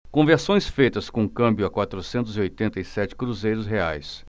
conversões feitas com câmbio a quatrocentos e oitenta e sete cruzeiros reais